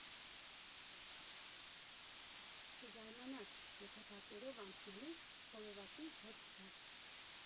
Չզարմանաք, եթե բակերով անցնելիս խորովածի հոտ զգաք։